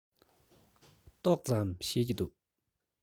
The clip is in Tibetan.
ཏོག ཙམ ཤེས ཀྱི འདུག